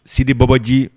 Sidi babaji